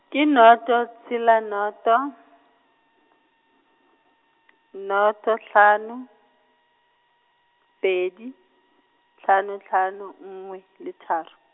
ke noto, tshela noto , noto hlano, pedi, hlano hlano, nngwe le tharo.